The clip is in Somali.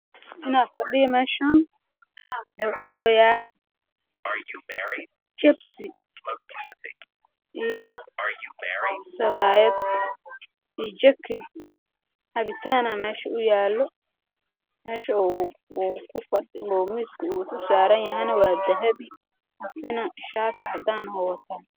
Halkaan waxaa ka muuqdo nin cunaayo jibsi jaalo weelka uu saaran yahay waa madaw